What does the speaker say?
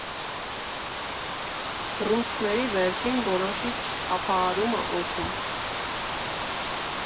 Բռունցքների վերջին, որոշիչ թափահարումը օդում…